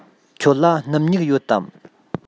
ཁྱོད ལ སྣུམ སྨྱུག ཡོད དམ